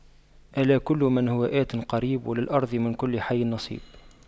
ألا كل ما هو آت قريب وللأرض من كل حي نصيب